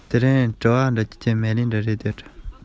དེ ནས ངེད གཉིས ཞིང ཐང